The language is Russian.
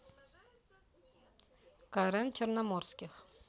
карен черноморских